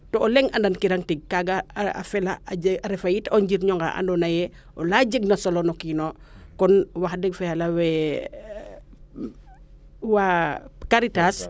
to o leŋ andan kirang tig kaaga a fela a refa yit o njirño nga ando naye ola jeg na solo no kiino kon wax deg fa yala we waa Karitas